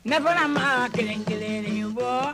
Ne bɔra ma kelen kelenlen bɔ